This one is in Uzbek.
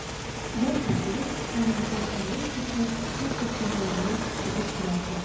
bir tup o'rik yomg'irdan qorayib ketgan pastak shoxlarini egib turardi